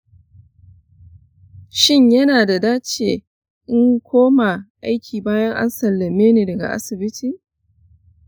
shin yana da dace in koma aiki bayan an sallame ni daga asibiti?